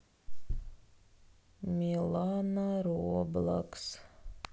милана роблакс